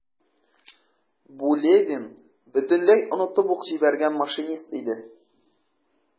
Бу - Левин бөтенләй онытып ук җибәргән машинист иде.